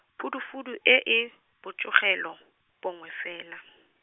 phudufudu e e, botsogelo, bongwe fela.